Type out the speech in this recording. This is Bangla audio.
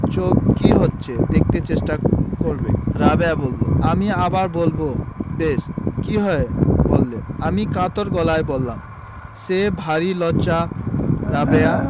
চোখ কি হচ্ছে দেখতে চেষ্টা করবে রাবেয়া বললো আমি আবার বলবো বেশ কি হয় বললে আমি কাতর গলায় বললাম সে ভারী লজ্জা রাবেয়া